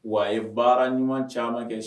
Wa a ye baaraɲuman caaman